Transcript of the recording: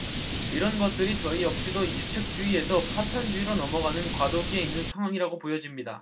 이런 것들이 저희 역시도 유책주의에서 파탄주의로 넘어가는 과도기에 있는 상황이라고 보여집니다